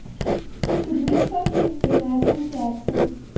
турнир в пабге прямая трансляция